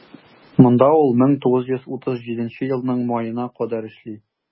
Монда ул 1937 елның маена кадәр эшли.